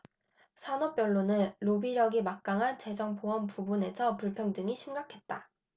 산업별로는 로비력이 막강한 재정 보험 부문에서 불평등이 심각했다